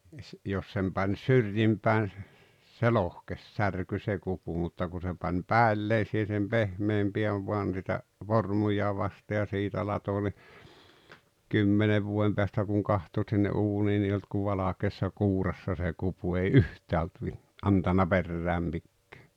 jos sen pani syrjin päin se lohkesi särkyi se kupu mutta kun se pani päälleen siihen sen pehmeän pään vain sitä vormua vasten ja siitä latoi niin kymmenen vuoden päästä kun katsoi sinne uuniin niin ei ollut kuin valkeassa kuurassa se kupu ei yhtään ollut - antanut perään mikään